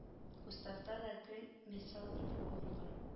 Уставта да гел мисал итеп алынган